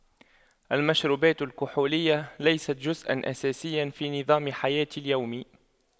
المشروبات الكحولية ليست جزءا أساسيا في نظام حياتي اليومي